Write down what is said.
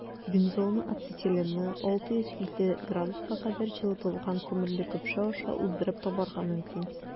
Бензолны ацетиленны 650 С кадәр җылытылган күмерле көпшә аша уздырып табарга мөмкин.